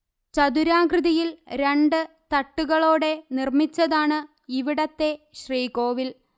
ചതുരാകൃതിയിൽ രണ്ട് തട്ടുകളോടെ നിർമ്മിച്ചതാണ് ഇവിടത്തെ ശ്രീകോവിൽ